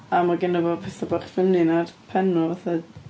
A mae genna fo pethau bach funny 'na ar pen nhw fatha...